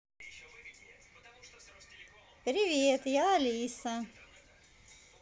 привет я алиса